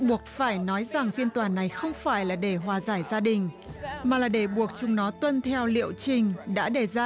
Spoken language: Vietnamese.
buộc phải nói rằng phiên tòa này không phải là để hòa giải gia đình mà là để buộc chúng nó tuân theo liệu trình đã đề ra